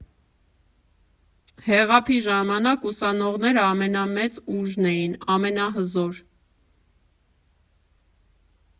Հեղափի ժամանակ ուսանողները ամենամեծ ուժն էին, ամենահզոր։